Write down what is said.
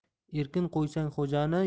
erkin qo'ysang xo'jani